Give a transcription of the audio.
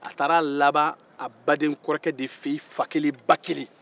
a taara laban a baden kɔrɔ de fɛ yen fakelenbakelen